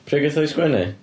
Pryd gaeth o'i sgwennu?